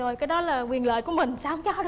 rồi cái đó là quyền lợi của mình sao không cho được